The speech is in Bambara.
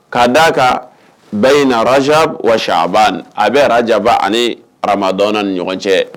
K'a d'a kan beyiina rajab wa chaaba a bɛ arajaba ani aramadɔɔni ni ɲɔgɔn cɛ.